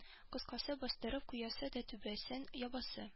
Кыскасы бастырып куясы да түбәсен ябасы